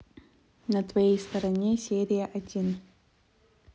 на твоей стороне серия один